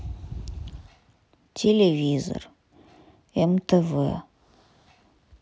телевизор мтв